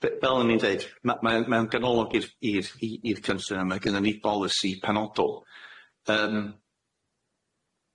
B- fel o'n i'n deud ma' mae o'n mewn ganolog i'r i'r i'r i'r cynser yma gynnon ni bolisi penodol yym,